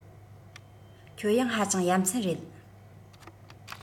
ཁྱོད ཡང ཧ ཅང ཡ མཚན རེད